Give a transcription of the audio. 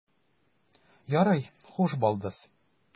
Ярый, хуш, балдыз.